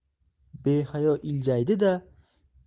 behayo iljaydi da